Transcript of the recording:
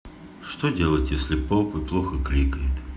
что делать если поп и плохо кликает